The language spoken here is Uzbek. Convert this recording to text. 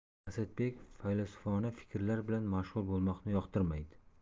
asadbek faylasufona fikrlar bilan mashg'ul bo'lmoqni yoqtirmaydi